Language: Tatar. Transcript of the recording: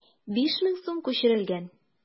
5000 сум күчерелгән.